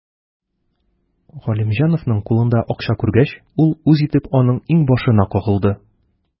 Галимҗановның кулында акча күргәч, ул үз итеп аның иңбашына кагылды.